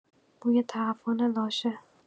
بوی تعفن لاشه